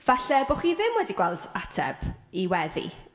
Falle bo' chi ddim wedi gweld ateb i weddi.